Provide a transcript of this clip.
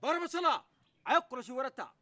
bakaramasala a ye kɔlɔsi wɛrɛ ta